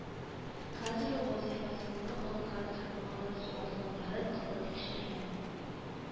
Хәзер ул вазыйфасыннан алынган һәм аның хилафлыклары ныклы тикшерелә